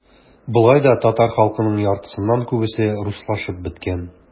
Болай да татар халкының яртысыннан күбесе - руслашып беткән.